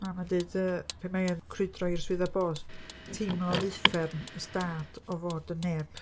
Na ma'n deud yy pan mae hi yn crwydo i'r swyddfa bost. "Teimlodd uffern y stad o fod yn neb".